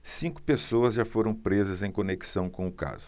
cinco pessoas já foram presas em conexão com o caso